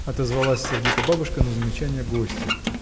— отозвалась сердито бабушка на замечание гостьи.